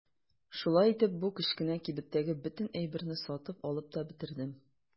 Шулай итеп бу кечкенә кибеттәге бөтен әйберне сатып алып та бетердем.